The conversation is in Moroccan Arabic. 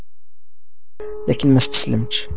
لكن ما استسلمت